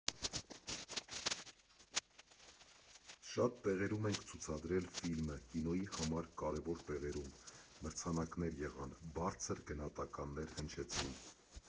Շատ տեղերում ենք ցուցադրել ֆիլմը, կինոյի համար կարևոր տեղերում, մրցանակներ եղան, բարձր գնահատականներ հնչեցին։